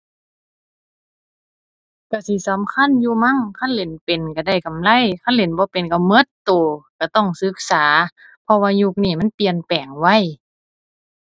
ก็สิสำคัญอยู่มั้ง คันเล่นเป็นก็ได้กำไร คันเล่นบ่เป็นก็ก็ก็ ก็ต้องศึกษา เพราะว่ายุคนี้มันเปลี่ยนแปลงไว